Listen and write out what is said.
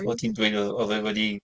Oeddet ti'n dweud oedd oedd e wedi...